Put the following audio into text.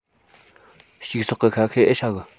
ཕྱུགས ཟོག གི ཤ ཤེད ཨེ ཧྲ གི